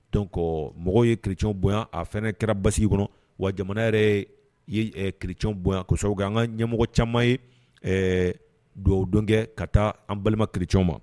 Don kɔ mɔgɔ ye kicɛɔn bonyayan a fana kɛra basi kɔnɔ wa jamana yɛrɛ ye kicɔn bon kɔsɔgo an ka ɲɛmɔgɔ caman ye don don kɛ ka taa an balima kicw ma